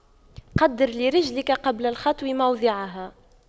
قَدِّرْ لِرِجْلِكَ قبل الخطو موضعها